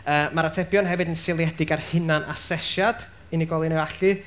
yy ma'r atebion hefyd yn seiliedig ar hunan asesiad unigolyn o allu.